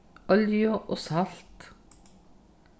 olju og salt